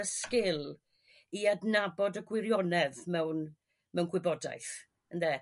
y sgil i adnabod y gwirionedd mewn mewn gwybodaeth ynde?